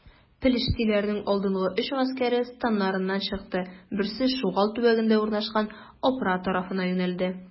Пелештиләрнең алдынгы өч гаскәре, станнарыннан чыкты: берсе Шугал төбәгендә урнашкан Опра тарафына юнәлде.